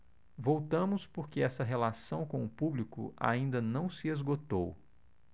voltamos porque essa relação com o público ainda não se esgotou